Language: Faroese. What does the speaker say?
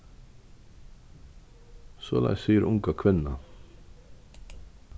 soleiðis sigur unga kvinnan